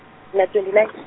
ngina twenty nine.